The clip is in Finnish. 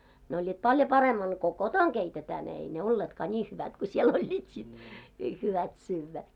ne olivat paljon paremman kuun koton keitetään ne ei ne olleetkaan niin hyvät kuin siellä olivat sitten niin hyvät syödä